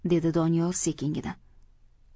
dedi doniyor sekingina